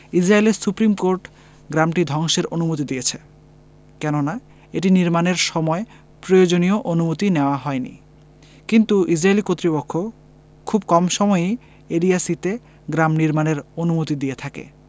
ইসরাইলের supreme court গ্রামটি ধ্বংসের অনুমতি দিয়েছে কেননা এটি নির্মাণের সময় প্রয়োজনীয় অনুমতি নেওয়া হয়নি কিন্তু ইসরাইলি কর্তৃপক্ষ খুব কম সময়ই এরিয়া সি তে গ্রাম নির্মাণের অনুমতি দিয়ে থাকে